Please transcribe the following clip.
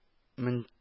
-мөн